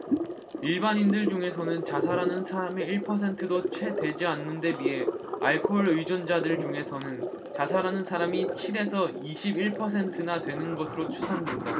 일반인들 중에서는 자살하는 사람이 일 퍼센트도 채 되지 않는 데 비해 알코올 의존자들 중에서는 자살하는 사람이 칠 에서 이십 일 퍼센트나 되는 것으로 추산된다